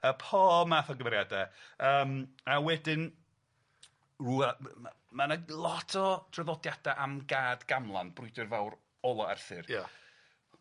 a po' math o gymeriada yym a wedyn rwla my-' ma' ma' 'na lot o traddodiada' am Gad Gamlan brwydr fawr ola Arthur ia.